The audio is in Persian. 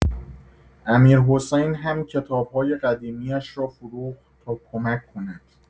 امیرحسین هم کتاب‌های قدیمی‌اش را فروخت تا کمک کند.